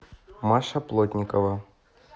маша плотникова